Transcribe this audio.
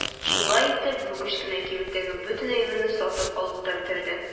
Шулай итеп бу кечкенә кибеттәге бөтен әйберне сатып алып та бетерде.